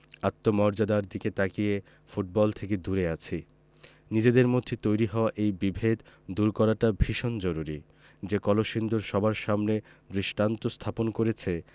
আত্মমর্যাদার দিকে তাকিয়ে ফুটবল থেকে দূরে আছি নিজেদের মধ্যে তৈরি হওয়া এই বিভেদ দূর করাটা ভীষণ জরুরি যে কলসিন্দুর সবার সামনে দৃষ্টান্ত স্থাপন করেছে